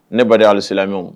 Ne ba halisila